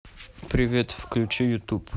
привет включи ютуб